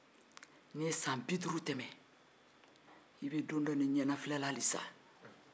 n'i ye san bi duuru tɛmɛ i bɛ don dɔ de ɲɛnafilɛ la sa